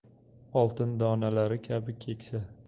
oltin donalari kabi keksa